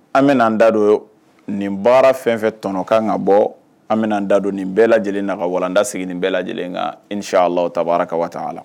An bɛna an da don nin baara fɛn o fɛ tɔnɔnɔ ka kan bɔ, an bɛna an da don nin bɛɛ lajɛlenna ,ka walanda sigi nin bɛɛ lajɛlen kan in siaa alahu ta baara ka waa taa la